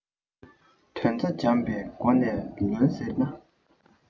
དོན རྩ འཇམ པོའི སྒོ ནས ལོན ཟེར ན